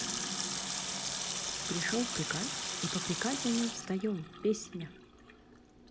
пришел приказ и по приказу мы встаем песня